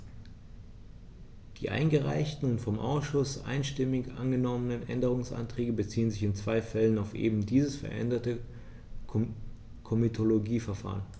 Die eingereichten und vom Ausschuss einstimmig angenommenen Änderungsanträge beziehen sich in zwei Fällen auf eben dieses veränderte Komitologieverfahren.